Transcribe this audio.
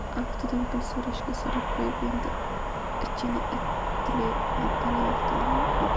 aftidan pul so'rashga so'rab qo'yib endi ichini it tatalayotgan edi